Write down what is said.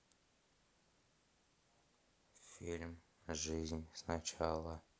фильм жизнь сначала